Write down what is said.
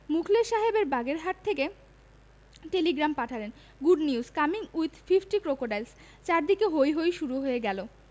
মুখলেস সাহেব বাগেরহাট থেকে টেলিগ্রাম পাঠালেন good news. Coming with fifty crocodiles চারদিকে হৈ হৈ শুরু হয়ে গেল